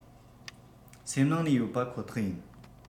སེམས ནང ནས ཡོད པ ཁོ ཐག ཡིན